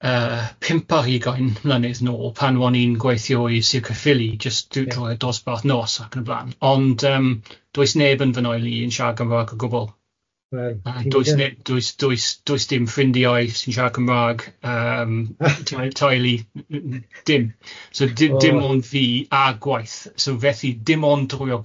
yy pump ar hugain mlynedd nôl pan o'n i'n gweithio i Sir Caerphilly jyst drwy'r dosbarth nos ac yn y blan, ond yym does neb yn fy nhaelu i i'n siarad Cymraeg o gwbl, does ne- does does does dim ffrindiau sy'n siarad Cymraeg yym taulu dim, so dim dim ond fi a gwaith, so felly dim ond drwy'r gwaith